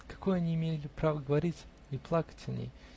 Какое они имели право говорить и плакать о ней?